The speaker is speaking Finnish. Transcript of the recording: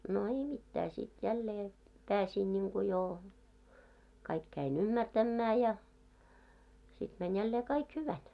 no ei mitään sitten jälleen pääsin niin kuin jo kaikki kävin ymmärtämään ja sitten meni jälleen kaikki hyvällä